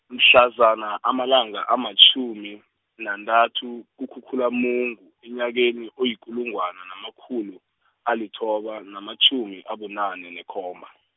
mhlazana amalanga amatjhumi, nantathu kuKhukhulamungu, enyakeni oyikulungwane namakhulu, alithoba namatjhumi abunane nekhomba.